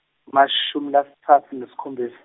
emashumi la tsatfu nesikhombisa.